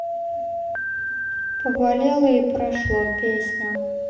поболело и прошло песня